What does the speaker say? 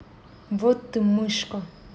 вот ты мышка